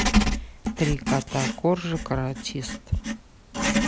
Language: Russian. три кота коржик каратист